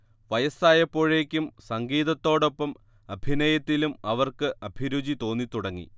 വയസ്സായപ്പോഴേയ്ക്കും സംഗീതത്തോടോപ്പം അഭിനയത്തിലും അവർക്ക് അഭിരുചി തോന്നിത്തുടങ്ങി